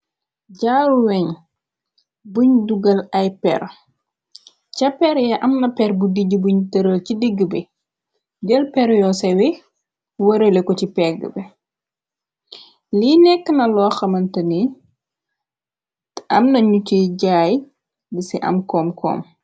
Jaaru weñ buñ dugal ay per, ca per ya am na per bu dijji buñ tërël ci digg bi, jël per yoo sew yi wërale ko ci pegg bi, li nekk na loo xamante ni, am na ñu ci jaay di ci am komkom.